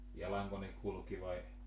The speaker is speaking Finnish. jalanko ne kulki vai